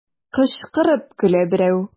Кычкырып көлә берәү.